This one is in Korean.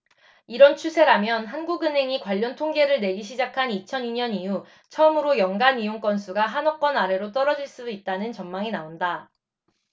이런 추세라면 한국은행이 관련통계를 내기 시작한 이천 이 년 이후 처음으로 연간 이용 건수가 한 억건 아래로 떨어질 수 있다는 전망이 나온다